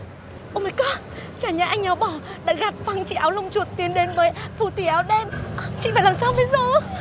ô mai gót chả nhẽ anh áo bỏ đã gạt phăng chị áo lông chuột để đến với phù thủy áo đen chị phải làm sao bây giờ